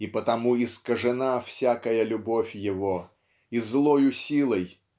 И потому искажена всякая любовь его и злою силой